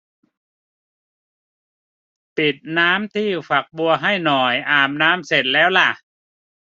ปิดน้ำที่ฝักบัวให้หน่อยอาบน้ำเสร็จแล้วล่ะ